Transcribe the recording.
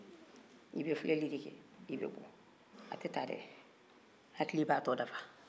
i bɛ filɛli de kɛ i bɛ bɔ a tɛ ta dɛ hakili b'a tɔ dafa